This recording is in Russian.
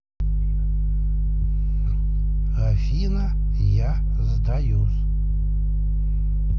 афина я сдаюсь